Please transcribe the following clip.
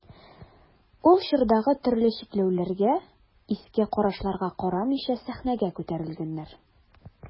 Ул чордагы төрле чикләүләргә, иске карашларга карамыйча сәхнәгә күтәрелгәннәр.